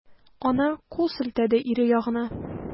Ана кул селтәде ире ягына.